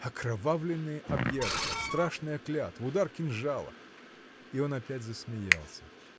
Окровавленные объятия, страшная клятва, удар кинжала!. И он опять засмеялся.